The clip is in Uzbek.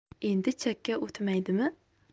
endi chakka o'tmaydimi